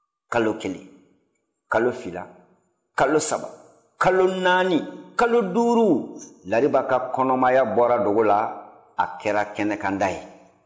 kalo kelen kalo fila kalo saba kalo naani kalo duuru lariba ka kɔnɔmaya bɔra dogo la a kɛra kɛnɛkanda ye